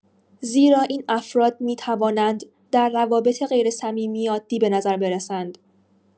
زیرا این افراد می‌توانند در روابط غیرصمیمی عادی به نظر برسند.